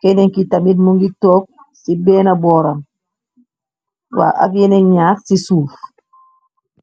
kenneenki tamit mu ngi took ci benn booram waa ak yeneen ñaar ci suuf.